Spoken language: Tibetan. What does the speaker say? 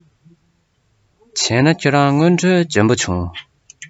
བྱས ན ཁྱེད རང དངོས འབྲེལ འཇོན པོ བྱུང